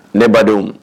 Ne badenw